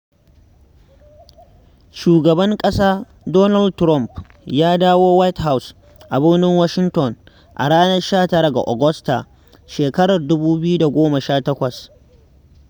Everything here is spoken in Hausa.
Shugaban ƙasa Donald Trump ya dawo 'White House' a birnin Washington ranar 19 ga Agusta shekarar 2018.